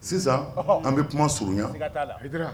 Sisan an bɛ kuma surunya